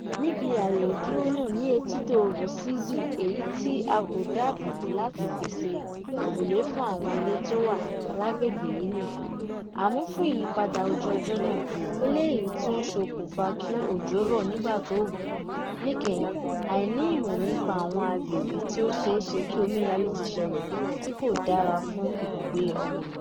Níbi ààyè ìdúró náà ni etídò Rusizi èyí tí a kò dáàbò bò lati pèsè òrùlé fún àwọn ilé tó wà lágbègbè yìí nìkan; àmọ́ fún ìyípadà ojú ọjọ́ náà, eléyìí tí ó ń ṣokùnfà kí òjò rọ̀ nígbà tó wùú, níkẹyìn, àìní ìmọ̀ nípa àwọn àgbègbè tí ó ṣeé ṣe kí omíyalé ti ṣẹlẹ̀ tí kò dára fún ibùgbé ọmọniyàn.